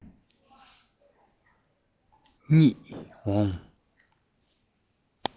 རྙེད འོང